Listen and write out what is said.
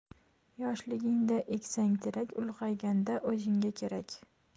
yoshligingda eksang terak ulg'ayganda o'zingga kerak